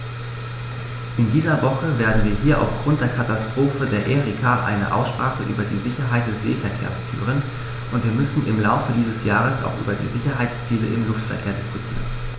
In dieser Woche werden wir hier aufgrund der Katastrophe der Erika eine Aussprache über die Sicherheit des Seeverkehrs führen, und wir müssen im Laufe dieses Jahres auch über die Sicherheitsziele im Luftverkehr diskutieren.